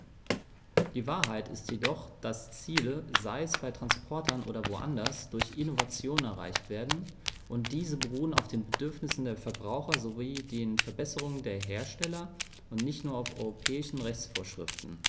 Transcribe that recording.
Die Wahrheit ist jedoch, dass Ziele, sei es bei Transportern oder woanders, durch Innovationen erreicht werden, und diese beruhen auf den Bedürfnissen der Verbraucher sowie den Verbesserungen der Hersteller und nicht nur auf europäischen Rechtsvorschriften.